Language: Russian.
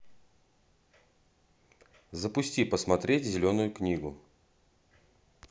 запусти посмотреть зеленую книгу